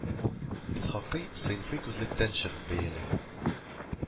Исхакый сыйнфый күзлектән чыгып бәяли